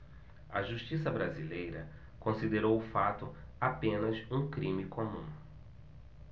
a justiça brasileira considerou o fato apenas um crime comum